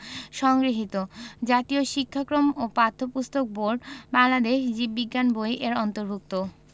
সংগৃহীত জাতীয় শিক্ষাক্রম ও পাঠ্যপুস্তক বোর্ড বাংলাদেশ জীব বিজ্ঞান বই এর অন্তর্ভুক্ত